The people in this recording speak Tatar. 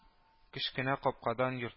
Кечкенә капкадан